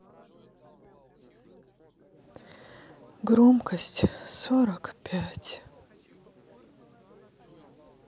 громкость сорок пять